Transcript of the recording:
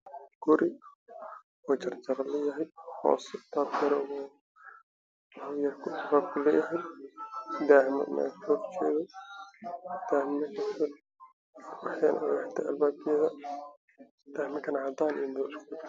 meeshaanwaxaa ka muuqdaan guri albaabkiisu yahay qaxwi wxaana ka dambeeyi daah cadaan ah